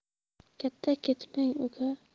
katta ketmang uka